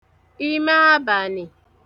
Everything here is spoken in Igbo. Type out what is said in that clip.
imeabànị̀